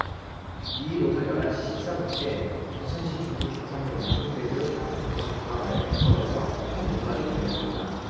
이 일 오전 열 한 시 십 사 분께 인천시 중구 중산동 영종대교 사 다섯 번 교각 아래 갯벌에서 포탄 일 발이 발견됐다